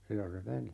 silloin se meni